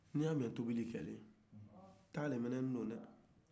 n'i y'a mɛ tobili kera tasuma de ɲagara dehh